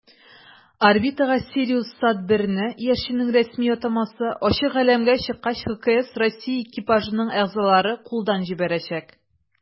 Орбитага "СириусСат-1"ны (иярченнең рәсми атамасы) ачык галәмгә чыккач ХКС Россия экипажының әгъзалары кулдан җибәрәчәк.